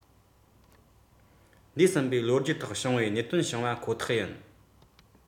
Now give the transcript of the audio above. མི ཤི རྟ འགྱེལ ཁོ ཐག རེད